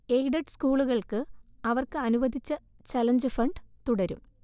aided സ്കൂളുകൾക്ക് അവർക്ക് അനുവദിച്ച ചലഞ്ച് ഫണ്ട് തുടരും